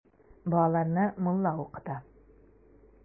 Балаларны мулла укыта.